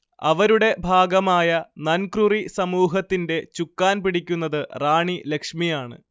അവരുടെ ഭാഗമായ നൻക്രുറി സമൂഹത്തിന്റെ ചുക്കാൻ പിടിക്കുന്നത് റാണി ലക്ഷ്മിയാണ്